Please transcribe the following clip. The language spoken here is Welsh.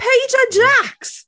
Paige a Jaques!